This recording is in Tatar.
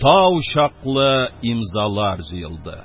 Тау чаклы имзалар җыелды.